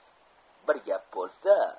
bir gap bo'lsa